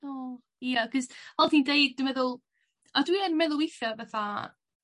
O! Ia 'chos fel ti'n deud dwi meddwl... A dwi yn meddwl withia fatha